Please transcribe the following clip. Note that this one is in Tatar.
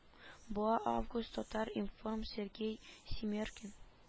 Буа август татар информ сергей семеркин